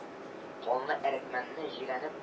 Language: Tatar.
Анлы әрекмәнне җирәнеп ч